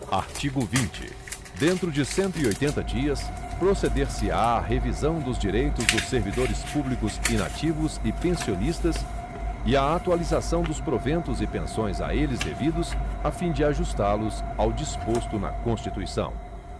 artigo vinte dentro de cento e oitenta dias proceder se á à revisão dos direitos dos servidores públicos inativos e pensionistas e à atualização dos proventos e pensões a eles devidos a fim de ajustá los ao disposto na constituição